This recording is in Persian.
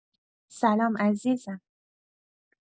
سلام عزیزم.